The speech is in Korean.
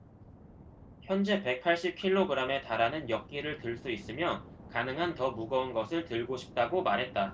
현재 백 팔십 킬로그람에 달하는 역기를 들 수 있으며 가능한 더 무거운 것을 들고 싶다고 말했다